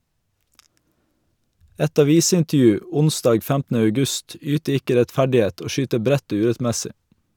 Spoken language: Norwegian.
Et avisintervju (onsdag 15. august) yter ikke rettferdighet og skyter bredt og urettmessig.